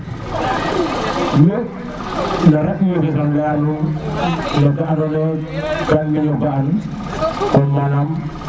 mi yo mi gara tinu leya nuun no ke ando na ye kam mi ño ga'an comme manaam